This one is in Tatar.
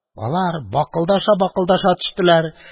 Алар бакылдаша-бакылдаша төштеләр.